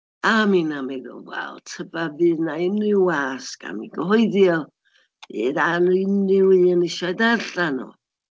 A mi wnawn ni ddeud, "wel, tybed fydd 'na unrhyw wasg am eu cyhoeddi o, bydd ar unrhyw un eisiau ei ddarllen o".